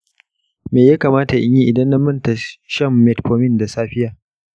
me ya kamata in yi idan na manta shan metformin da safiya?